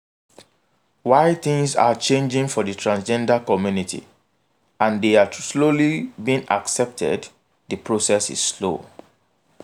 While things are changing for the transgender community and they are slowly being accepted, the process is slow.